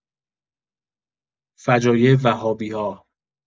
فجایع وهابی‌ها